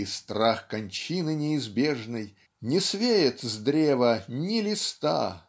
И страх кончины неизбежной Не свеет с древа ни листа.